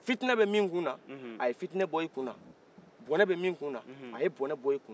fitinɛ bɛ min kunan a ye fitinɛ bɔ i kunan bɔnɛ bɛ min kunan a ye bɔnɛ bɔ i kunan